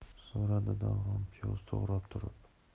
so'radi davron piyoz to'g'ray turib